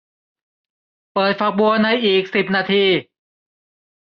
เปิดฝักบัวในอีกสิบนาที